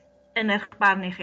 yn eich barnu chi.